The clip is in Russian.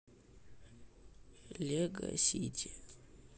лего сити